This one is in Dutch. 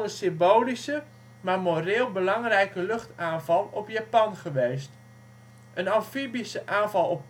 symbolische maar moreel belangrijke luchtaanval op Japan geweest. Een amfibische aanval